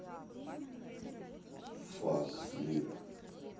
фак слип